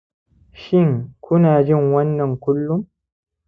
shin ku na jin wannan kullum